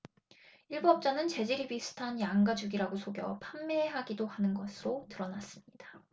일부 업자는 재질이 비슷한 양 가죽이라고 속여 판매하기도 하는 것으로 드러났습니다